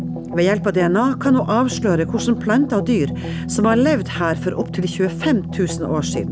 ved hjelp av DNA kan hun avsløre hvilke planter og dyr som har levd her for opptil 25000 år siden.